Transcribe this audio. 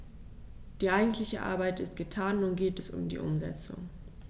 Die eigentliche Arbeit ist getan, nun geht es um die Umsetzung.